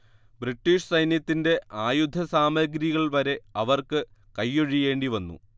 British സൈന്യത്തിന്റെ ആയുധസാമഗ്രികൾ വരെ അവർക്ക് കൈയ്യൊഴിയേണ്ടി വന്നു